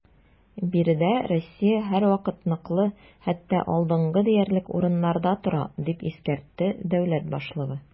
Биредә Россия һәрвакыт ныклы, хәтта алдынгы диярлек урыннарда тора, - дип искәртте дәүләт башлыгы.